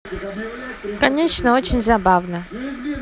конечно очень забавно